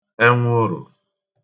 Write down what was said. ẹnwụrù